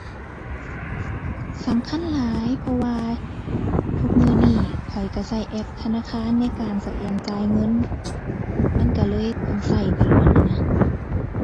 สำคัญหลายเพราะว่า ทุกมื้อนี้ข้อยก็ก็แอปธนาคารในการสแกนจ่ายเงิน มันก็เลยต้องก็ตลอดอะนะ